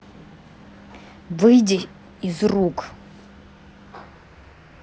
выйди из рук